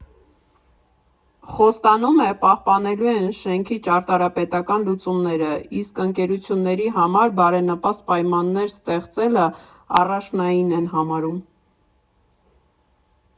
Խոստանում է՝ պահպանելու են շենքի ճարտարապետական լուծումները, իսկ ընկերությունների համար բարենպաստ պայմաններ ստեղծելը առաջնային են համարում։